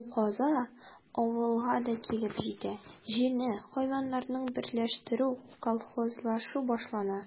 Ул каза авылга да килеп җитә: җирне, хайваннарны берләштерү, колхозлашу башлана.